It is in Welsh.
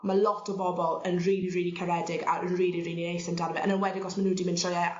ma' lot o bobol yn rili rili caredig a rili rili neis amdano fe yn enwedig os ma' n'w 'di mynd trwy e